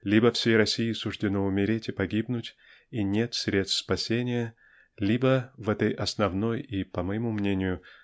либо всей России суждено умереть и погибнуть и нет средств спасения либо в этой основной и по моему мнению